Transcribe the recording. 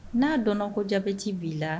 N'a dɔn na ko jabeti b'i la